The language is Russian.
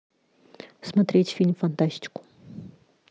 смотреть фильм фантастику